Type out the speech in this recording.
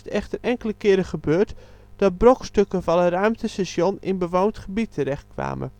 echter enkele keren gebeurd dat brokstukken van een ruimtestation in bewoond gebied terecht kwamen